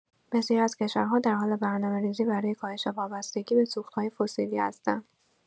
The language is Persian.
بسیاری از کشورها در حال برنامه‌ریزی برای کاهش وابستگی به سوخت‌های فسیلی هستند.